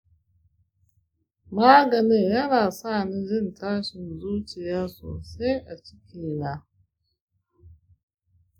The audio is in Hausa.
maganin yana sa ni jin tashin zuciya sosai a cikina.